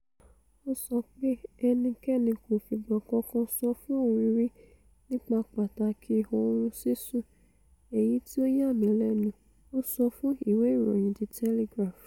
Ó sọ pé ẹnikéni kò fìgbà kankan sọ fún ohun rí nípa pàtàki oorun sísùn - èyití ó yàmí lẹ́nu,' ó sọ fún ìwé ìròyìn The Telegraph.